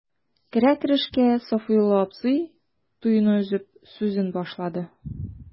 Керә-керешкә Сафиулла абзый, туйны өзеп, сүзен башлады.